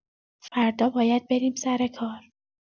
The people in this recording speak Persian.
فردا باید بریم سر کار.